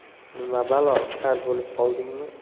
nima balo kar bo'lib qoldingmi